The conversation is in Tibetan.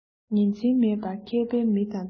ཉིན མཚན མེད པར མཁས པའི མི དང བསྟུན